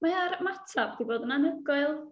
Mae yr ymateb wedi bod yn anhygoel.